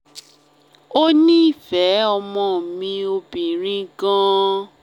Ó nífẹ̀ẹ́ ọmọ mi mi obìnrin gan-an.